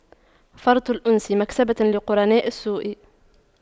فرط الأنس مكسبة لقرناء السوء